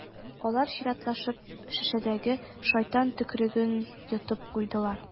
Алар чиратлашып шешәдәге «шайтан төкереге»н йотып куйдылар.